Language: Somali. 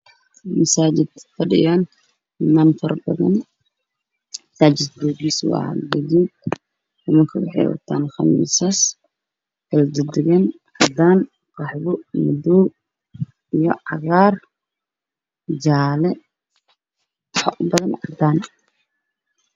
Masaajid fadhiyaan niman fara badan waxey wataan qamiis gaduud ah